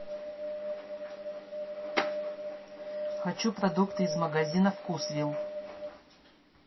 хочу продукты из магазина вкусвилл